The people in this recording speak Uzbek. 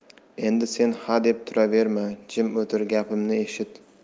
endi sen hadeb turaverma jim o'tir gapimni eshit